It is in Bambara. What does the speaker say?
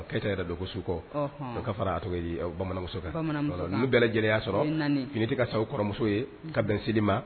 Keyita yɛrɛ dɔgɔso kɔ o ka fara a bamananmuso fɛ nu bɛɛ gɛlɛya sɔrɔ fini tɛ ka sababu kɔrɔmuso ye ka bɛnsiri ma